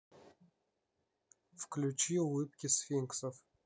включи улыбки сфинксов